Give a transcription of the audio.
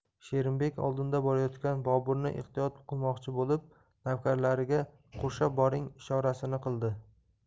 sherimbek oldinda borayotgan boburni ehtiyot qilmoqchi bo'lib navkarlariga qurshab boring ishorasini qildi